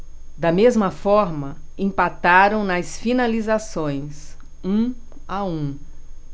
da mesma forma empataram nas finalizações um a um